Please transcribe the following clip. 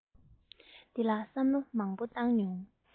འདི ལ བསམ བློ མང པོ བཏང མྱོང